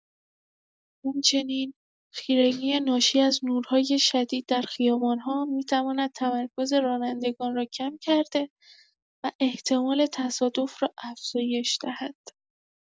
همچنین خیرگی ناشی از نورهای شدید در خیابان‌ها می‌تواند تمرکز رانندگان را کم کرده و احتمال تصادف را افزایش دهد.